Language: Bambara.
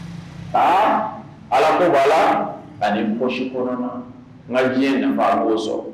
A Ala ko B'a la ani poche kɔnɔna nka diɲɛ nafa a b'o sɔrɔ.